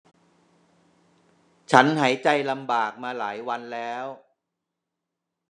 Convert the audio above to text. ฉันหายใจลำบากมาหลายวันแล้ว